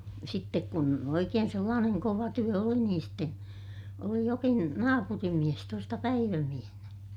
sitten kun oikein sellainen kova työ oli niin sitten oli jokin naapurinmies tuosta päivämiehenä